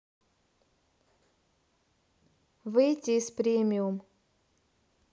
выйти из премиум